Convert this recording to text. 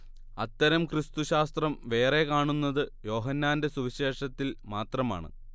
അത്തരം ക്രിസ്തുശാസ്ത്രം വേറെ കാണുന്നത് യോഹന്നാന്റെ സുവിശേഷത്തിൽ മാത്രമാണ്